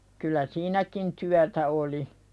kyllä siinäkin työtä oli